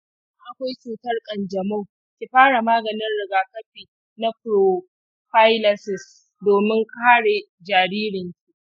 idan akwai cutar ƙanjamau, ki fara maganin rigakafi na prophylaxis domin kare jaririnki.